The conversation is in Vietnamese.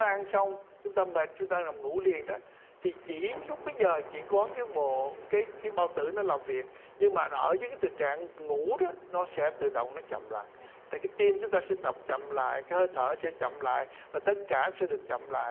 ăn xong chúng ta mệt chúng ta nằm ngủ liền đó thì chỉ lúc bấy giờ chỉ có bộ cái cái bao tử nó làm việc nhưng mà rợi cho cái tình trạng ngủ đó nó sẽ tự động nó chậm lại tại trái tim chúng ta sẽ đập chậm lại cái hơi thở sẽ chậm lại và tất cả sẽ được chậm lại